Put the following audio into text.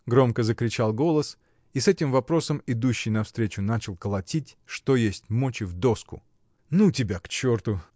— громко закричал голос, и с этим вопросом идущий навстречу начал колотить что есть мочи в доску. — Ну тебя к черту!